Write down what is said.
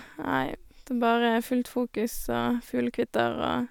Nei, det er bare fullt fokus og fuglekvitter og...